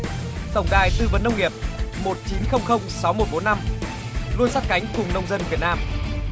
tổng đài tư vấn nông nghiệp một chín không không sáu một bốn năm luôn sát cánh cùng nông dân việt nam